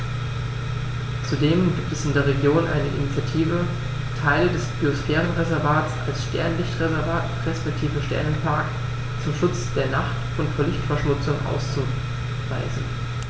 Zudem gibt es in der Region eine Initiative, Teile des Biosphärenreservats als Sternenlicht-Reservat respektive Sternenpark zum Schutz der Nacht und vor Lichtverschmutzung auszuweisen.